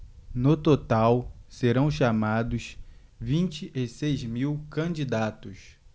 no total serão chamados vinte e seis mil candidatos